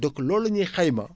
donc loolu la ñuy xayma